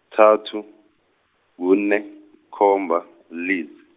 kuthathu, kune, yikomba, lize.